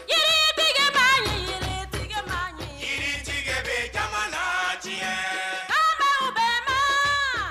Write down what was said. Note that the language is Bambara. Jtigiba yiritigiba yiri jigi bɛ jama diɲɛ jama bɛ fɛ